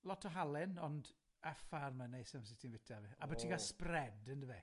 Lot o halen, ond uffarn ma'n neis amser ti'n fita fe, a bo' ti'n ca'l spread, yndyfe?